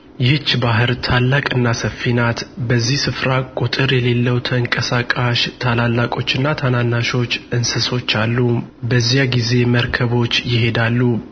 ይህች ባሕር ታላቅና ሰፊ ናት በዚያ ስፍራ ቍጥር የሌለው ተንቀሳቃሽ ታላላቆችና ታናናሾች እንስሶች አሉ በዚያ ጊዜ መርከቦች ይሄዳሉ